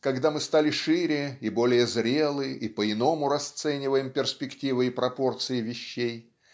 когда мы стали шире и более зрелы и по-иному расцениваем перспективы и пропорции вещей